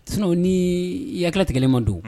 O ni yakitigɛli man don